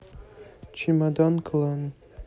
чемодан клан